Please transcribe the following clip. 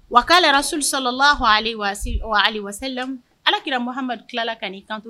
Wa k'a yɛrɛra suurusala lah alakira mahamadu tilala kai kanto